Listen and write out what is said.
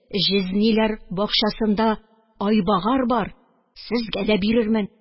Җизниләр бакчасында айбагар бар, сезгә дә бирермен